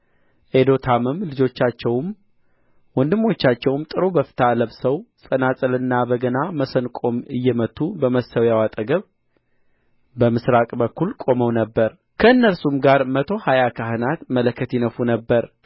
ኤዶታምም ልጆቻቸውም ወንድሞቻቸውም ጥሩ በፍታ ለብሰው ጸናጽልና በገና መሰንቆም እየመቱ በመሠዊያው አጠገብ በመሥራቅ በኩል ቆመው ነበር ከእነርሱም ጋር መቶ ሀያ ካህናት መለከት ይነፉ ነበር